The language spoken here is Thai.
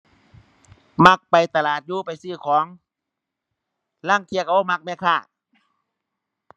มักไปตลาดอยู่ไปซื้อของ ลางเที่ยก็บ่มักแม่ค้า